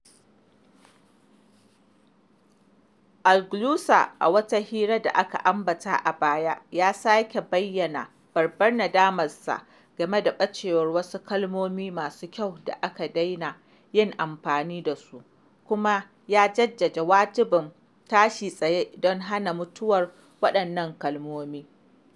Agualusa, a wata hira da aka ambata a baya, ya sake bayyana “babbar nadamarsa game da ɓacewar wasu kalmomi masu kyau da aka daina yin amfani dasu" kuma ya jaddada wajibcin “tashi tsaye don hana mutuwar waɗannan kalmomin.”